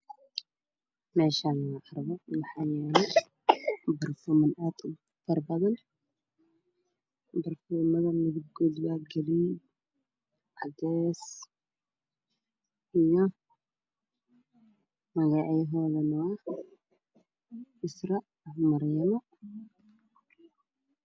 Meeshaani waa carwo waxaa yaalo barfuuman aad ufara badan barfuumada midabkooda waa giriin cadays iyo magacyadoodana waa yusra iyo maryama